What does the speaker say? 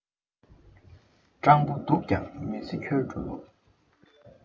སྤྲང པོ སྡུག ཀྱང མི ཚེ འཁྱོལ འགྲོ ལོ